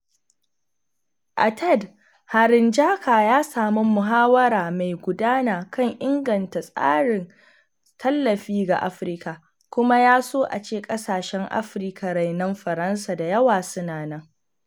A TED, Harinjaka ya samu muhawara mai gudana kan inganta tasirin tallafi ga Afirka, kuma ya so ace ƙasashen Afirka rainon Faransa da yawa suna nan.